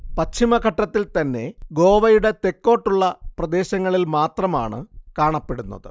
പശ്ചിമഘട്ടത്തിൽ തന്നെ ഗോവയുടെ തെക്കോട്ടുള്ള പ്രദേശങ്ങളിൽ മാത്രമാണ് കാണപ്പെടുന്നത്